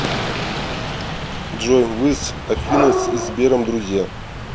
джой вы с афиной и сбером друзья